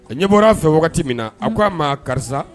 A ɲɛ bɔra a fɛ wagati min na, a ko a ma karisa